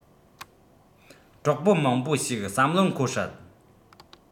གྲོགས པོ མང པོ ཞིག བསམ བློར འཁོར སྲིད